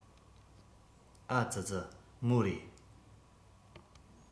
ཨ ཙི ཙི མོ རེ